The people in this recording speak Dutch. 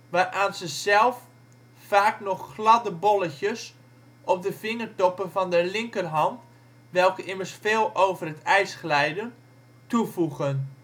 waaraan ze zelf vaak nog gladde bolletjes op de vingertoppen van de linkerhand, welke immers veel over het ijs glijden, toevoegen